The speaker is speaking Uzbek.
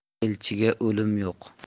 elchiga o'lim yo'q